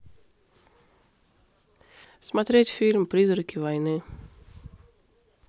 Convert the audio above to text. смотреть фильм призраки войны